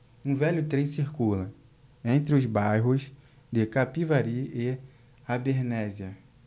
um velho trem circula entre os bairros de capivari e abernéssia